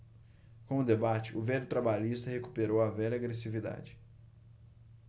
com o debate o velho trabalhista recuperou a velha agressividade